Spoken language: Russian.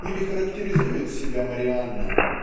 или характеризует себя Марианна